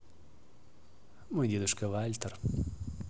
мой дедушка вальтер